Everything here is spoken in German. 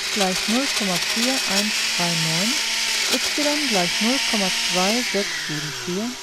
= 0,4139; y = 0,2674